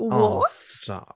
What?!... Oh stop!